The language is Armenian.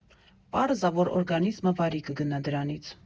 Պարզ ա, որ օրգանիզմը վարի կգնա դրանից։